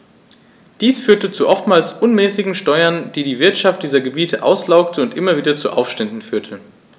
Dies führte zu oftmals unmäßigen Steuern, die die Wirtschaft dieser Gebiete auslaugte und immer wieder zu Aufständen führte.